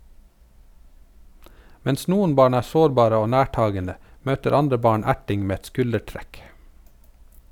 Mens noen barn er sårbare og nærtagende, møter andre barn erting med et skuldertrekk.